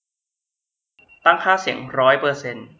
ตั้งค่าเสียงร้อยเปอร์เซนต์